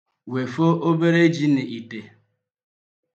Wefọ obere ji n'ite.